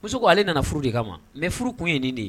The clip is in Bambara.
Muso ale nana furu de ka ma mɛ furu kun ye nin de ye